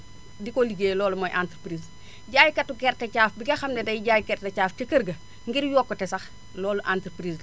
di ko ligéey loolu mooy entreprise jaaykatu gerte caaf bi nga xam ne day jaar gerte caaf ca kër ga ngir yokkute sax loolu entreprise la